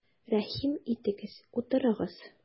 Рәхим итегез, утырыгыз!